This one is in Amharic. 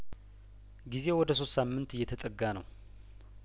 ጊዜው ወደ ሶስት ሳምንት እየተጠጋ ነው